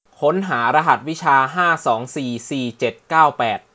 ค้นหารหัสวิชาห้าสองสี่สี่เจ็ดเก้าแปด